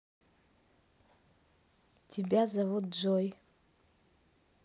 тебя зовут джой